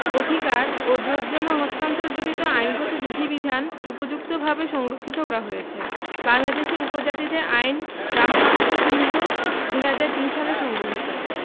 অধিকার ও জোতজমা হস্তান্তরজনিত আইনগত বিধিবিধান উপযুক্তভাবে সংরক্ষিত করা হয়েছে বাংলাদেশের উপজাতিদের আইন রামকান্ত সিংহ ২০০৩ হতে সংগৃহীত